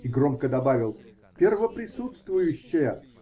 -- И громко добавил: -- Первоприсутствующая!